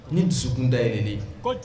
Ni dusukunda yɛrɛ